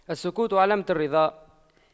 السكوت علامة الرضا